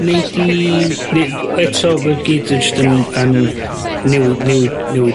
Wnei di ddi-... B- eto ma' gyd yn jyst yn yn newid newid newid